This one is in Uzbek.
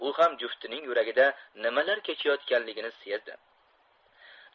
u ham juftining yuragida nimalar kechayotganligini sezdi